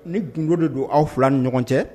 Ni gdo de don aw fila ni ɲɔgɔn cɛ